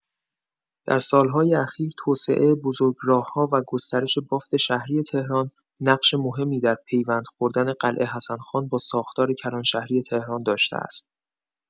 در سال‌های اخیر، توسعه بزرگراه‌ها و گسترش بافت شهری تهران، نقش مهمی در پیوند خوردن قلعه حسن‌خان با ساختار کلان‌شهری تهران داشته است.